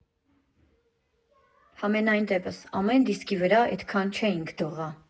Համենայն դեպս, ամեն դիսկի վրա էդքան չէինք դողա։